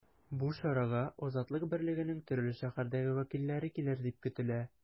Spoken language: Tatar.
Бу чарага “Азатлык” берлегенең төрле шәһәрдәге вәкилләре килер дип көтелә.